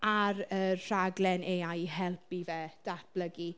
Ar yr rhaglen AI i helpu fe datblygu.